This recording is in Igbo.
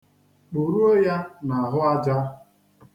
Kpụruo ya n'ahụaja.